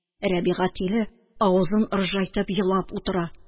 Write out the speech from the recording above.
Рәбига, тиле, авызын ыржайтып елап утыра